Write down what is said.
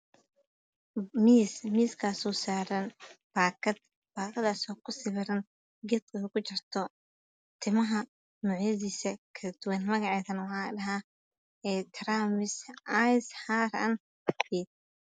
Miis saaran ku sawiran geed ku jirto timaha